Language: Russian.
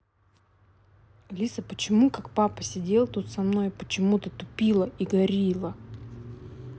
алиса почему как папа сидел тут со мной почему то тупила и gorilla